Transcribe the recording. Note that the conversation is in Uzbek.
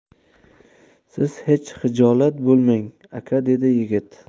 siz hech xijolat bo'lmang aka dedi yigit